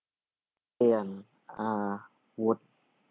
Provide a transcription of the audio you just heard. เปลี่ยนอาวุธ